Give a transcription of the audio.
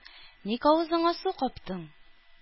Ник авызыңа су каптың?